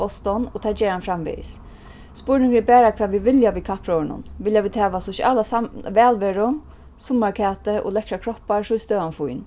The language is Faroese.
boston og tað ger hann framvegis spurningurin er bara hvat vit vilja við kappróðrinum vilja vit hava sosiala vælveru summarkæti og lekkrar kroppar so er støðan fín